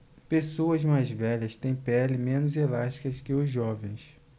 pessoas mais velhas têm pele menos elástica que os jovens